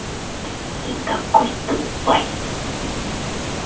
ты такой тупой